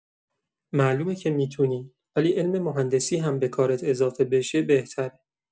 معلومه که می‌تونی، ولی علم مهندسی هم به کارت اضافه بشه بهتره.